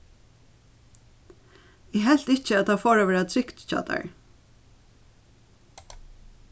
eg helt ikki at tað fór at vera trygt hjá tær